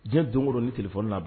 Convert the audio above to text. Diɲɛ don ni kelen fɔlɔ la